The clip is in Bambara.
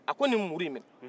a ko nin muuru minɛ